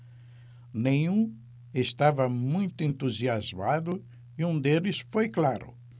nenhum estava muito entusiasmado e um deles foi claro